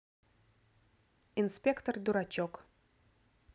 инспектор дурачок